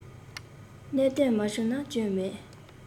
གནད དོན མ བྱུང ན སྐྱོན མེད